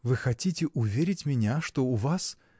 Вы хотите уверить меня, что у вас.